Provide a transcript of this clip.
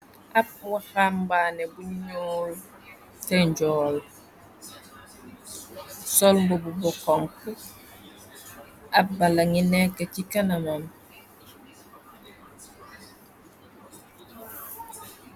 Ap waxambaane bu ñool te njol solmbobu bokonk abbala ngi nekk ci kanamam.